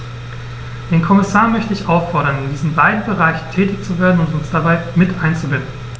Den Kommissar möchte ich auffordern, in diesen beiden Bereichen tätig zu werden und uns dabei mit einzubinden.